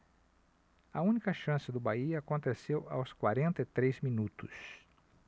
a única chance do bahia aconteceu aos quarenta e três minutos